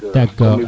kaga koy